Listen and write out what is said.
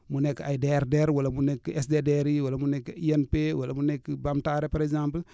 mu nekk ay DRDR wala mu nekk SDDR yi wala mu nekk INP wala mu nekk Bamtare par exemple